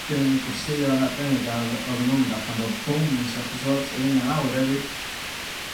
O'dd gennyn ni gwesteion arbennig a o'dd- odden nw'n mynd allan fel bonus episodes, oedd heina'n awr efyd.